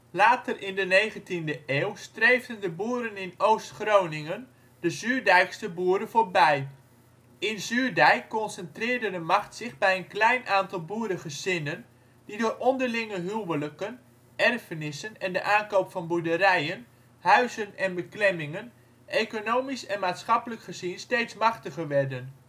Later in de 19e eeuw streefden de boeren in Oost-Groningen de Zuurdijkster boeren voorbij. In Zuurdijk concentreerde de macht zich bij een klein aantal boerengezinnen die door onderlinge huwelijken, erfenissen en de aankoop van boerderijen, huizen en beklemmingen economisch en maatschappelijk gezien steeds machtiger werden